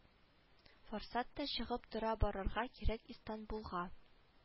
Форсат та чыгып тора барырга кирәк истанбулга